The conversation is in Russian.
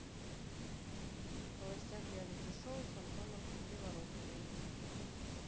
холостяк реалити шоу с антоном криворотовым